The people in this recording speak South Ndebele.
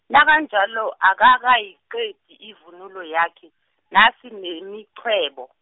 nakanjalo akakayiqedi ivunulo yakhe, nasi nemiqwebo.